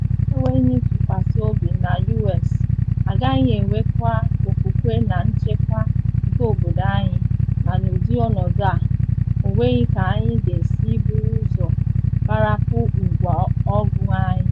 “N’enweghị ntụkwasị obi na U.S, agaghị enwekwa okwukwe na nchekwa nke obodo anyị, na n’ụdị ọnọdụ a, ọ nweghị ka anyị ga-esi buru ụzọ gbarapụ ngwa ọgụ anyị.”